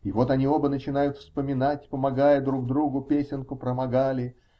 И вот они оба начинают вспоминать, помогая друг другу, песенку про Магали.